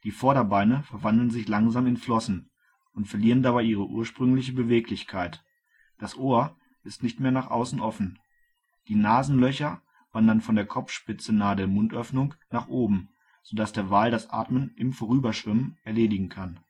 Vorderbeine verwandeln sich langsam in Flossen und verlieren dabei ihre ursprüngliche Beweglichkeit. Das Ohr ist nicht mehr nach außen offen. Die Nasenlöcher wandern von der Kopfspitze nahe der Mundöffnung nach oben, so dass der Wal das Atmen ' im Vorüberschwimmen ' erledigen kann